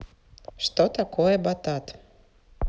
что такое батат